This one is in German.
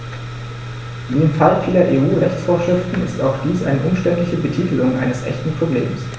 Wie im Fall vieler EU-Rechtsvorschriften ist auch dies eine umständliche Betitelung eines echten Problems.